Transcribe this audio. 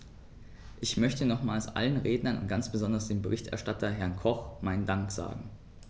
Ich möchte nochmals allen Rednern und ganz besonders dem Berichterstatter, Herrn Koch, meinen Dank sagen.